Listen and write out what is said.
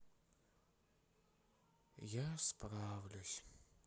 я справлюсь